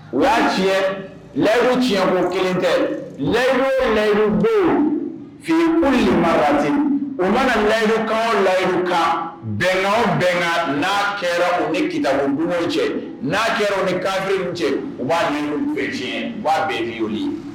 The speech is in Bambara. U y'a tiɲɛ laribayiuru tiɲɛ ko kelen tɛ layi layiw bɛ fini kun ni ba waatiti u nana layiuru ka laribayiw kan bɛnkan bɛnkan n'a kɛra u ni kidabud cɛ n'a kɛra ni kandenww cɛ u b'a ni fɛ tiɲɛ u b'a bɛ biy